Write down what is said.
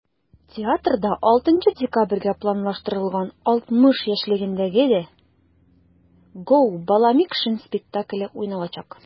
Театрда 6 декабрьгә планлаштырылган 60 яшьлегендә дә “Gо!Баламишкин" спектакле уйналачак.